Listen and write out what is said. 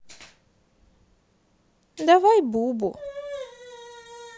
давай бубу